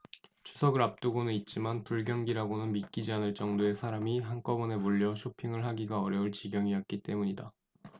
추석을 앞두고는 있지만 불경기라고는 믿기지 않을 정도의 사람이 한꺼번에 몰려 쇼핑을 하기가 어려울 지경이었기 때문이다